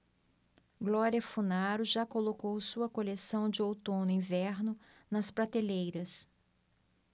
glória funaro já colocou sua coleção de outono-inverno nas prateleiras